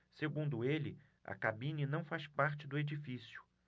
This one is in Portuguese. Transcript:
segundo ele a cabine não faz parte do edifício